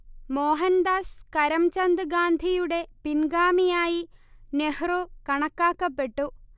മോഹൻദാസ് കരംചന്ദ് ഗാന്ധിയുടെ പിൻഗാമിയായി നെഹ്രു കണക്കാക്കപ്പെട്ടു